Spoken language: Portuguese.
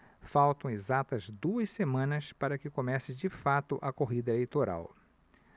faltam exatas duas semanas para que comece de fato a corrida eleitoral